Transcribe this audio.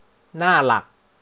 หน้าหลัก